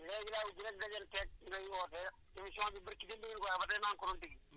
léegi laa ubbi rek dajenteeg ngay woote émission bi barki démb bi ngeen ko waxee ba tey maa ngi ko doon déglu